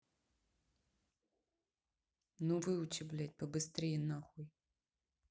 ну выучи блядь побыстрее нахуй